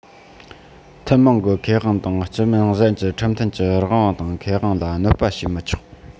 ཐུན མོང གི ཁེ དབང དང སྤྱི དམངས གཞན གྱི ཁྲིམས མཐུན གྱི རང དབང དང ཁེ དབང ལ གནོད པ བྱེད མི ཆོག